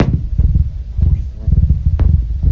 хуй знает